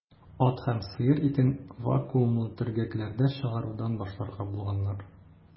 Ат һәм сыер итен вакуумлы төргәкләрдә чыгарудан башларга булганнар.